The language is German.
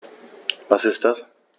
Was ist das?